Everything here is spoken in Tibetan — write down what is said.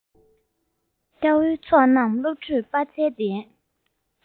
སྐྱེ བོའི ཚོགས རྣམས བློ གྲོས དཔའ རྩལ ལྡན